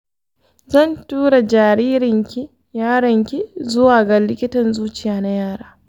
zan tura jaririnki/yaronki zuwa ga likitan zuciya na yara